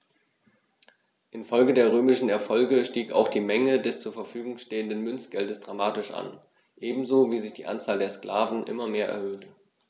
Infolge der römischen Erfolge stieg auch die Menge des zur Verfügung stehenden Münzgeldes dramatisch an, ebenso wie sich die Anzahl der Sklaven immer mehr erhöhte.